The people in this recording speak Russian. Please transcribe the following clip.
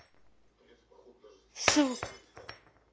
св